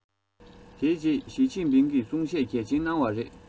དེ རྗེས ཞིས ཅིན ཕིང གིས གསུང བཤད གལ ཆེན གནང བ རེད